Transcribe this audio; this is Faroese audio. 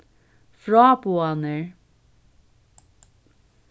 fráboðanir